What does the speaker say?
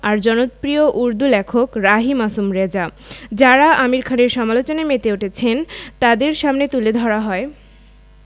আর জনপ্রিয় উর্দু লেখক রাহি মাসুম রেজা যাঁরা আমির খানের সমালোচনায় মেতে উঠেছেন তাঁদের সামনে তুলে ধরা হয়